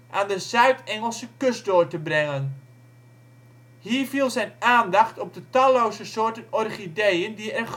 aan de Zuid-Engelse kust door te brengen. Hier viel zijn aandacht op de talloze soorten orchideeën die er groeiden